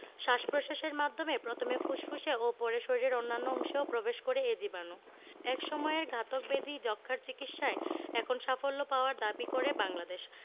শ্বাস প্রশ্বাসের মাধ্যমে প্রথমে ফুসফুসে ও পরে শরীরের অন্য অংশেও প্রবেশ করে এ জীবাণু একসময়ের ঘাতক ব্যাধি যক্ষ্মার চিকিৎসায় এখন সাফল্য পাওয়ার দাবি করে বাংলাদেশ